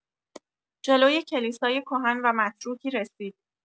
جلوی کلیسای کهن و متروکی رسید.